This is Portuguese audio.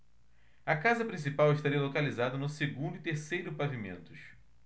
a casa principal estaria localizada no segundo e terceiro pavimentos